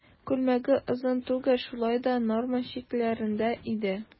Күлмәге озын түгел, шулай да норма чикләрендә иде.